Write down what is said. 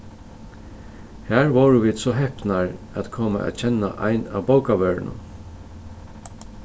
har vóru vit so hepnar at koma at kenna ein av bókavørðunum